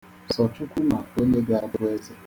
Sọ Chukwu ma onye ga-abụ eze.